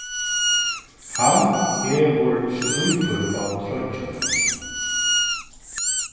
hann hevur strípur á troyggjuni